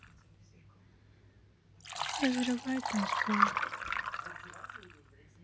разрывай танцпол